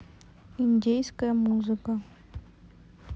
индейская музыка